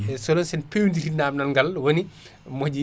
sono sen pewndri namdal ngal woni moƴƴi